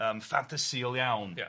yym ffantasiol iawn ia.